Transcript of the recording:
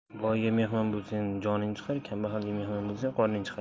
boyga mehmon bo'lsang joning chiqar kambag'alga mehmon bo'lsang qoming chiqar